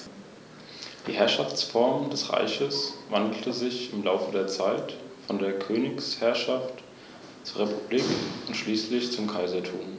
Aus diesen ergibt sich als viertes die Hinführung des Besuchers zum praktischen Naturschutz am erlebten Beispiel eines Totalreservats.